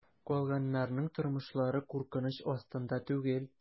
Калганнарның тормышлары куркыныч астында түгел.